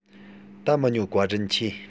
ད མི ཉོ བཀའ དྲིན ཆེ